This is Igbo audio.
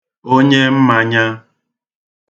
onye mmānyā